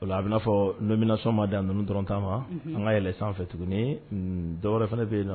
Ola a bɛna'a fɔ n donmina soma d ninnu dɔrɔn tan ma an ka yɛlɛɛlɛn sanfɛ tuguni dɔw wɛrɛ fana bɛ yen na